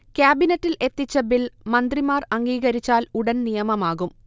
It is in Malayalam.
ക്യാബിനറ്റിൽ എത്തിച്ച ബിൽ മന്ത്രിമാർ അംഗീകരിച്ചാൽ ഉടൻ നിയമമാകും